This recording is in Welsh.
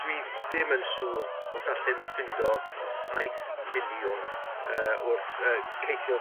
...dwi ddim yn siŵr os allen n'w ffindo saith miliwn yy wrth yy ceisio